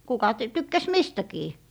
kuka - tykkäsi mistäkin